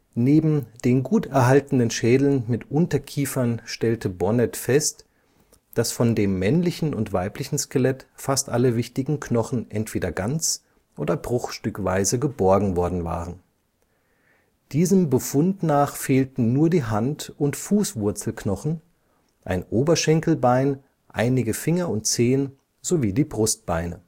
Neben den gut erhaltenen Schädeln mit Unterkiefern stellte Bonnet fest, dass von dem männlichen und weiblichen Skelett fast alle wichtigen Knochen entweder ganz oder bruchstückweise geborgen worden waren. Diesem Befund nach fehlten nur die Hand - und Fußwurzelknochen, ein Oberschenkelbein, einige Finger und Zehen, sowie die Brustbeine